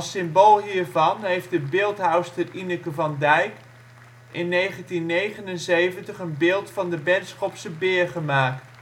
symbool hiervan heeft de beeldhouwster Ineke van Dijk in 1979 een beeld van de Benschopse beer gemaakt